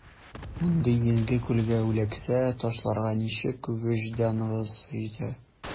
Мондый изге күлгә үләксә ташларга ничек вөҗданыгыз җитә?